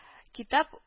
Китап